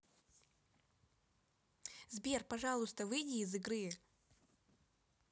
сбер пожалуйста выйди из игры